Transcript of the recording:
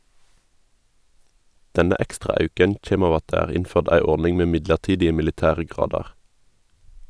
Denne ekstra auken kjem av at det er innførd ei ordning med midlertidige militære gradar.